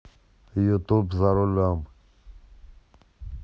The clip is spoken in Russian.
ютуб за рулем